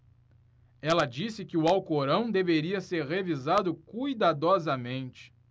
ela disse que o alcorão deveria ser revisado cuidadosamente